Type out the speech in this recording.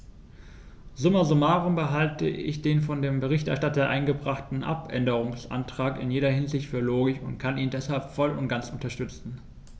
Summa summarum halte ich den von dem Berichterstatter eingebrachten Abänderungsantrag in jeder Hinsicht für logisch und kann ihn deshalb voll und ganz unterstützen.